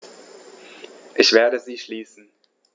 Ich werde sie schließen.